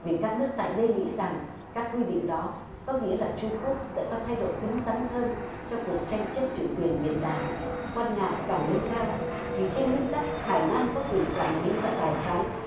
việc các nước tại đây nghĩ rằng các quy định đó có nghĩa là trung quốc sẽ có thái độ cứng rắn hơn trong cuộc tranh chấp chủ quyền biển đảo quan ngại càng lên cao vì trên nguyên tắc hải nam có quyền quản lý và tài phán